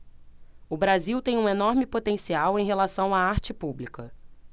o brasil tem um enorme potencial em relação à arte pública